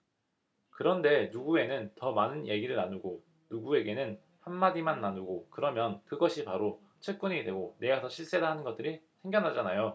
그런데 누구에는 더 많은 얘기를 나누고 누구에게는 한 마디만 나누고 그러면 그것이 바로 측근이 되고 내가 더 실세다 하는 것들이 생겨나잖아요